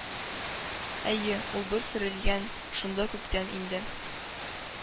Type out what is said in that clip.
Әйе, ул бер сөрелгән; шунда күптән инде